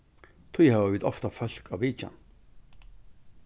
tí hava vit ofta fólk á vitjan